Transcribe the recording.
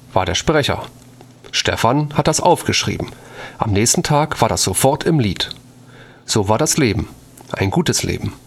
war der Sprecher. Stephan hat das aufgeschrieben; am nächsten Tag war das sofort im Lied. So war das Leben. Ein gutes Leben